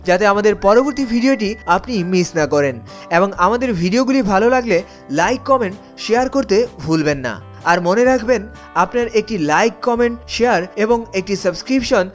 যাতে আমাদের পরবর্তী ভিডিও টি আপনি মিস না করেন এবং আমাদের ভিডিও গুলো ভাল লাগলে লাইক কমেন্ট শেয়ার করতে ভুলবেন না আর মনে রাখবেন আপনার একটি লাইক কমেন্ট শেয়ার এবং একটি সাবস্ক্রিপশন